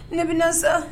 Ne bɛna sa.